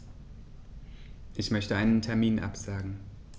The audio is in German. Ich möchte einen Termin absagen.